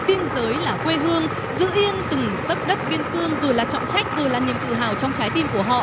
biên giới là quê hương giữ yên từng tấc đất biên cương vừa là trọng trách vừa là niềm tự hào trong trái tim của họ